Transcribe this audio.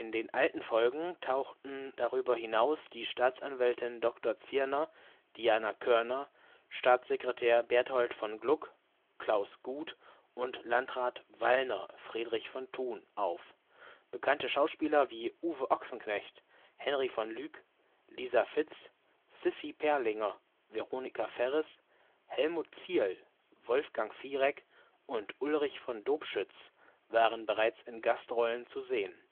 den alten Folgen tauchten darüber hinaus die Staatsanwältin Dr. Zirner (Diana Körner), Staatssekretär Berthold von Gluck (Klaus Guth) und Landrat Wallner (Friedrich von Thun) auf. Bekannte Schauspieler wie Uwe Ochsenknecht, Henry van Lyck, Lisa Fitz, Sissi Perlinger, Veronica Ferres, Helmut Zierl, Wolfgang Fierek und Ulrich von Dobschütz waren bereits in Gastrollen zu sehen